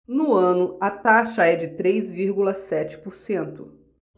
no ano a taxa é de três vírgula sete por cento